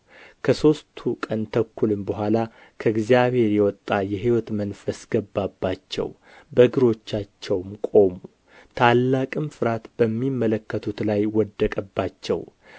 ከሦስቱ ቀን ተኵልም በኋላ ከእግዚአብሔር የወጣ የሕይወት መንፈስ ገባባቸው በእግሮቻቸውም ቆሙ ታላቅም ፍርሃት በሚመለከቱት ላይ ወደቀባቸው